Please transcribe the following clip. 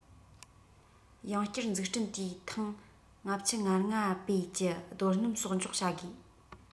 ཡང བསྐྱར འཛུགས སྐྲུན དུས ཐེངས ༥༥ པའི ཀྱི རྡོ སྣུམ གསོག འཇོག བྱ དགོས